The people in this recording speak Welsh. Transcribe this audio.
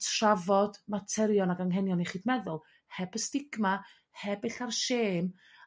trafod materion ag anghenion iechyd meddwl heb y stigma heb ella'r shame.